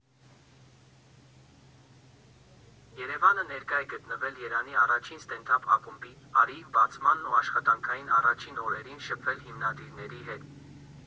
ԵՐԵՎԱՆը ներկա է գտնվել Երևանի առաջին ստենդափ ակումբի՝ «Արիի» բացմանն ու աշխատանքային առաջին օրերին և շփվել հիմնադիրների հետ։